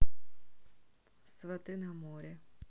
сваты на море